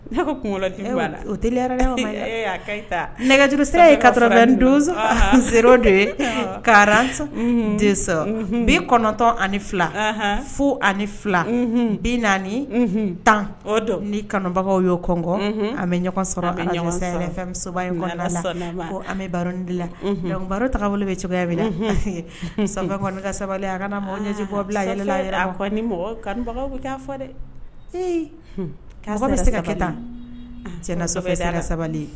O nɛgɛjsira ye ka donso de ye ka de bi kɔnɔntɔn ani fila fo ani fila bi naani tan ni kanubagaw y'o kɔngɔ an bɛ ɲɔgɔn sɔrɔmusoba an baro la baro ta bolo bɛ cogoya san sabali kala taa dɛ se ka kɛ tan cɛ sabali